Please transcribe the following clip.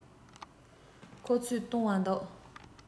ཁོ ཚོས བཏུང བ འདུག